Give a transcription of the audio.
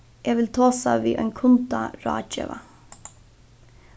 eg vil tosa við ein kundaráðgeva